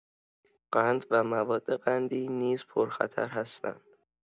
قند و مواد قندی نیز پرخطر هستند.